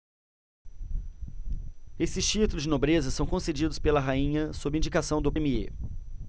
esses títulos de nobreza são concedidos pela rainha sob indicação do premiê